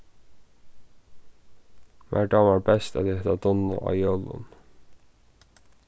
mær dámar best at eta dunnu á jólum